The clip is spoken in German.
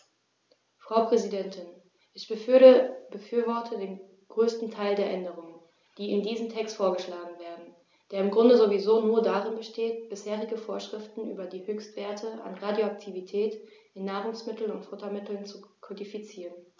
Frau Präsidentin, ich befürworte den größten Teil der Änderungen, die in diesem Text vorgeschlagen werden, der im Grunde sowieso nur darin besteht, bisherige Vorschriften über die Höchstwerte an Radioaktivität in Nahrungsmitteln und Futtermitteln zu kodifizieren.